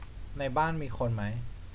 ในบ้านมีคนไหม